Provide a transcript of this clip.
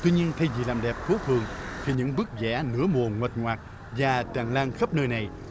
tuy nhiên thay vì làm đẹp hút hồn thì những bức vẽ nửa mùa nguệch ngoạc và tràn lan khắp nơi này